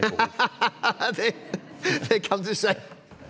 det det kan du si.